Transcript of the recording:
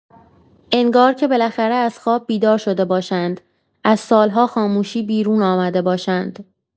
انگار که بالاخره از خواب بیدار شده باشند، از سال‌ها خاموشی بیرون آمده باشند.